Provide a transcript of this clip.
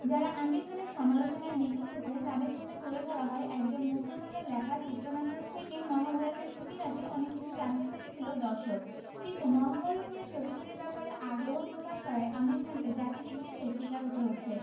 যাঁরা আমির খানের সমালোচনায় মেতে উঠেছেন তাঁদের সামনে তুলে ধরা হয় একজন মুসলমানের লেখা চিত্রনাট্য থেকেই মহাভারত এর খুঁটিনাটি অনেক কিছু জানতে পেরেছিল দর্শক কিন্তু মহাভারত নিয়ে ছবি তৈরির ব্যাপারে আগ্রহ প্রকাশ করায় আমির খানকে জাতিবিদ্বেষের শিকার হতে হচ্ছে